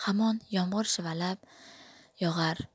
hamon yomg'ir shivalab yog'ar